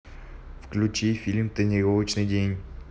включи фильм тренировочный день